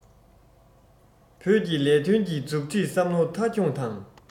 བོད ཀྱི ལས དོན གྱི མཛུབ ཁྲིད བསམ བློ མཐའ འཁྱོངས དང